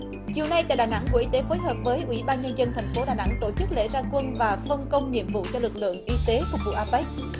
chiều nay tại đà nẵng vụ y tế phối hợp với ủy ban nhân dân thành phố đà nẵng tổ chức lễ ra quân và phân công nhiệm vụ cho lực lượng y tế phục vụ a béc